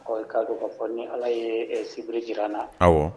Ɔ k'a don ka fɔ ni ala ye sib jira na